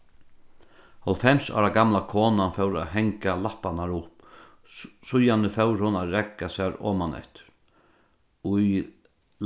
hálvfems ára gamla konan fór at hanga lapparnar upp síðani fór hon at ragga sær omaneftir í